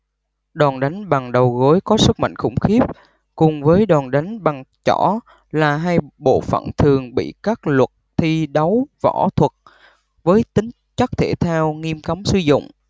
đòn đánh bằng đầu gối có sức mạnh khủng khiếp cùng với đòn đánh bằng chỏ là hai bộ phận thường bị các luật thi đấu võ thuật với tính chất thể thao nghiêm cấm sử dụng